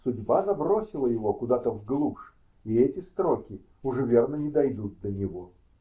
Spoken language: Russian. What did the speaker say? Судьба забросила его куда то в глушь, и эти строки уж верно не дойдут до него.